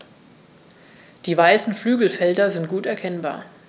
Die weißen Flügelfelder sind gut erkennbar.